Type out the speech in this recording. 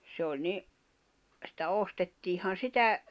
se oli niin sitä ostettiinhan sitä